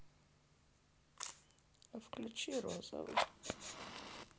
а включи розовый